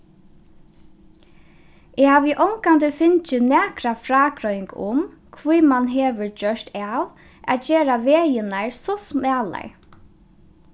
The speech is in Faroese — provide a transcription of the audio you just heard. eg havi ongantíð fingið nakra frágreiðing um hví mann hevur gjørt av at gera vegirnar so smalar